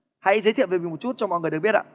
hãy giới thiệu về mình một chút cho mọi người được biết ạ